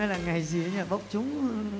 nay là ngày gì đấy nhở bốc trúng